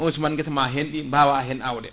on suman guessama hen ɗi mbawa hen awde